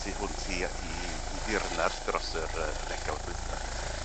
tu hwnt i i i ddirnad dros yr yy ddegawd dwitha.